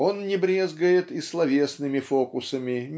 Он не брезгает и словесными фокусами